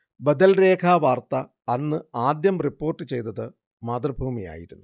ബദൽരേഖാ വാർത്ത അന്ന് ആദ്യം റിപ്പോർട്ടുചെയ്തത് മാതൃഭൂമിയായിരുന്നു